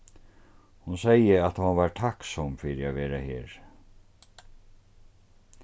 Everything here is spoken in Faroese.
hon segði at hon var takksom fyri at vera her